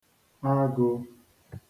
agụ̄